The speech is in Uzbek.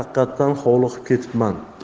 haqqattan hovliqib ketibman